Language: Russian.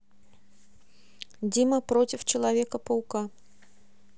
дима против человека паука